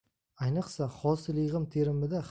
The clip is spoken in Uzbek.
ayniqsa hosil yig'im terimida